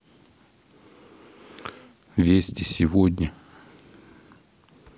вести сегодня